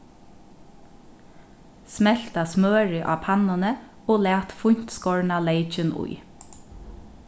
smelta smørið á pannuni og lat fíntskorna leykin í